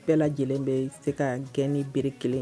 Bɛɛ lajɛlen bɛ se ka gɛn ni bereri kelen